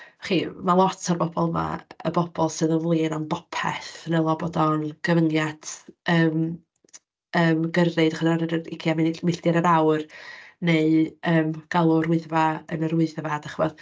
Chi, ma' lot o'r bobl 'ma, y bobl sydd yn flin am bopeth, wnelo bod o'n gyfyngiad yym yym gyrru, dachibod yr yr 20 milltir yr awr, neu yym galw'r Wyddfa yn yr Wyddfa, dach chibod.